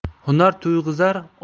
hunar to'yg'izar ot